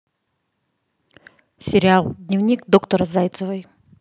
сериал дневник доктора зайцевой